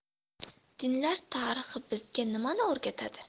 dinlar tarixi bizga nimani o'rgatadi